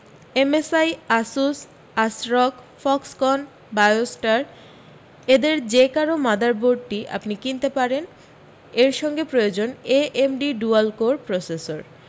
MSI Asus ASRock Foxconn Biostar এদের যে কারও মাদারবোর্ডটি আপনি কিনতে পারেন এর সঙ্গে প্রয়োজন এএমডি ডুয়াল কোর প্রসেসর